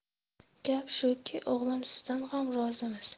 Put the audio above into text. gap shuki o'g'lim sizdan ham rozimiz